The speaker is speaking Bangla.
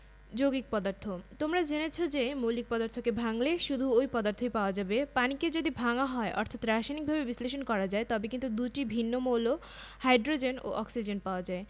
এ পরিচ্ছেদে আমরা ধান পাট সরিষা ও মাসকলাই এর জাত ও চাষ পদ্ধতি সম্পর্কে জানব ধান চাষ জমি নির্বাচনঃ বাংলাদেশে দানাজাতীয় ফসলের মধ্যে ধানের চাষ ও উৎপাদন সবচেয়ে বেশি